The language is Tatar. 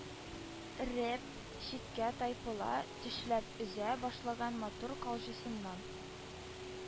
Реп, читкә тайпыла, тешләп өзә башлаган матур калҗасыннан